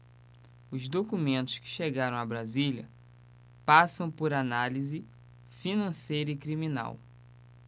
os documentos que chegaram a brasília passam por análise financeira e criminal